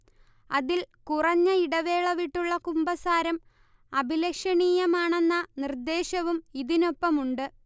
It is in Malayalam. അതിൽ കുറഞ്ഞ ഇടവേളവിട്ടുള്ള കുമ്പസാരം അഭിലഷണീയമാണെന്ന നിർദ്ദേശവും ഇതിനൊപ്പമുണ്ട്